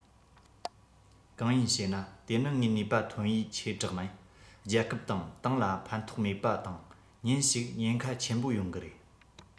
གང ཡིན ཞེ ན དེ ནི ངས ནུས པ ཐོན ཡས ཆེ དྲགས ན རྒྱལ ཁབ དང ཏང ལ ཕན ཐོགས མེད པ དང ཉིན ཞིག ཉེན ཁ ཆེན པོ ཡོང གི རེད